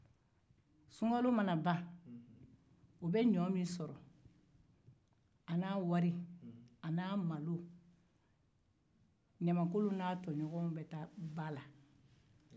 sunkalo mana ban u be ɲɔ min sɔrɔ malo ani wari ɲamankolon n'a tɔɲɔgɔnw be taa ba la